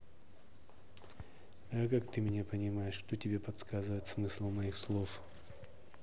а как ты меня понимаешь кто тебе подсказывает смысл моих слов